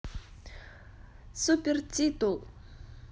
супер титул